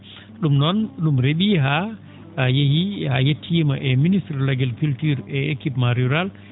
?um noon ?um re?ii haa yehii haa yettiima e minsitre de l' argriculture et équipement rural